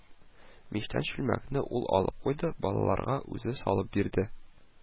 Мичтән чүлмәкне ул алып куйды, балаларга үзе салып бирде